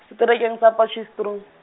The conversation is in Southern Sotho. seterekeng sa Potchefstroom.